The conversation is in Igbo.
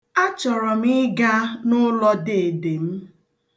Achọrọ m ịga n'ụlọ deede m.